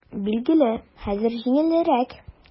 Билгеле, хәзер җиңелрәк.